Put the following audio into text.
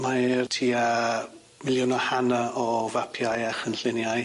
Mae'r tua miliwn a hanner o fapiau a chynlluniau.